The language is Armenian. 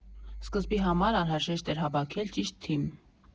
Սկզբի համար անհրաժեշտ էր հավաքել ճիշտ թիմ։